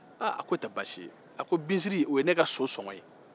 aaa a k'o tɛ basi ye a ko binsiri o ye ne ka so sɔgɔn ye